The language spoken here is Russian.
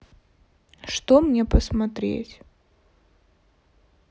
что мне посмотреть